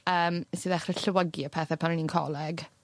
yym nes i ddechre llewygu a pethe pan o'n i'n coleg,